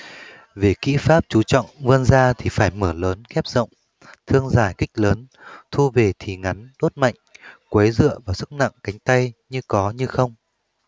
về kỹ pháp chú trọng vươn ra thì phải mở lớn khép rộng thương dài kích lớn thu về thì thế ngắn đốt mạnh quấy dựa vào sức nặng cánh tay như có như không